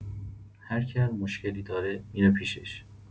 هر کی هر مشکلی داره می‌ره پیشش.